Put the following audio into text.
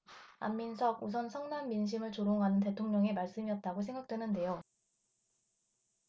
안민석 우선 성난 민심을 조롱하는 대통령의 말씀이었다고 생각 되는데요